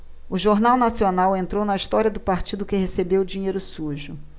o jornal nacional entrou na história do partido que recebeu dinheiro sujo